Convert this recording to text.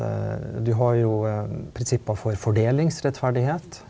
du har jo prinsipper for fordelingsrettferdighet.